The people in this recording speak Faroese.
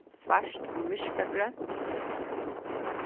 svart og myrkagrønt